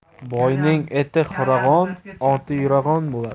boyning iti hurag'on oti yurag'on bo'lar